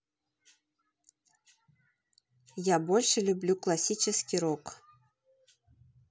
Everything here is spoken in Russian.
я больше люблю классический рок